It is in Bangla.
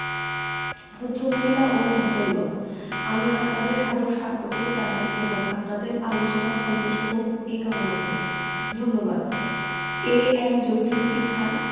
ভদ্রমহিলা ও মহোদয়গণ আমি আপনাদের সাদর স্বাগত জানাই এবং আপনাদের আলোচনা ফলপ্রসূ হোক এ কামনা করি ধন্যবাদ এ এম জহিরুদ্দিন খান